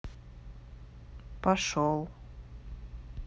пошел